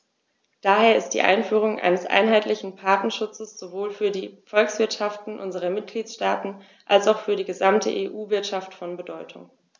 Daher ist die Einführung eines einheitlichen Patentschutzes sowohl für die Volkswirtschaften unserer Mitgliedstaaten als auch für die gesamte EU-Wirtschaft von Bedeutung.